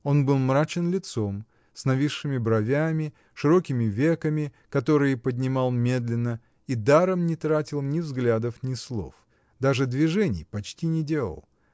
Он был мрачен лицом, с нависшими бровями, широкими веками, которые поднимал медленно, и даром не тратил ни взглядов, ни слов. Даже движений почти не делал.